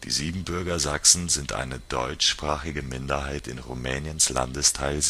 Siebenbürger Sachsen sind eine deutschsprachige Minderheit in Rumäniens Landesteil